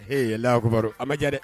Ee alakibaru